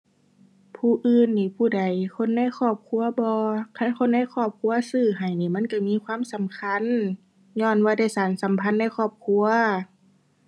ผู้อื่นนี้ผู้ใด คนในครอบครัวบ่ คันคนในครอบครัวซื้อให้นี่มันก็มีความสำคัญ ญ้อนว่าได้สานสัมพันธ์ในครอบครัว